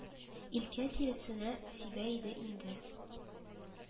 Илкә тирәсенә сибә иде инде